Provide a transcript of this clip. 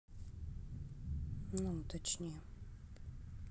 ну уточните